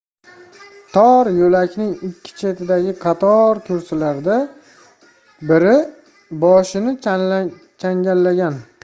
tor yo'lakning ikki chetidagi qator kursilarda biri boshini changallagan